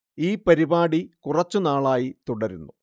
ഈ പരിപാടി കുറച്ചു നാളായി തുടരുന്നു